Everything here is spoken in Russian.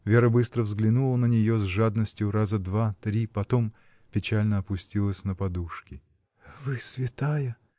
Вера быстро взглянула на нее с жадностью раза два-три, потом печально опустилась на подушки. — Вы святая!